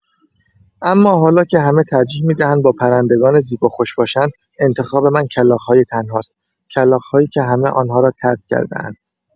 اما حالا که همه ترجیح می‌دهند با پرندگان زیبا خوش باشند، انتخاب من کلاغ‌های تنهاست؛ کلاغ‌هایی که همه آن‌ها را طرد کرده‌اند!